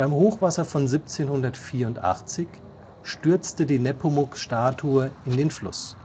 Hochwasser von 1784 stürzte die Nepomuk-Statue in den Fluss